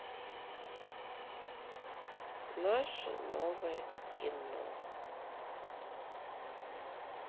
наше новое кино